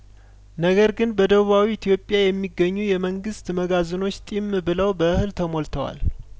ነገር ግን በደቡባዊ ኢትዮጵያ የሚገኙ የመንግስት መጋዘኖች ጢም ብለው በእህል ተሞልተዋል